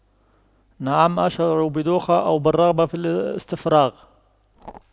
نعم أشعر بدوخة أو بالرغبة في الاستفراغ